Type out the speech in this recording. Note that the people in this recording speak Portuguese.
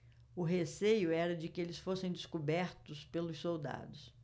o receio era de que eles fossem descobertos pelos soldados